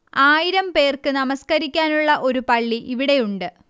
ആയിരം പേർക്ക് നമസ്കരിക്കാനുള്ള ഒരു പള്ളി ഇവിടെയുണ്ട്